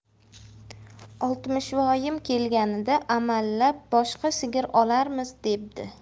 oltmishvoyim kelganida amallab boshqa sigir olarmiz debdi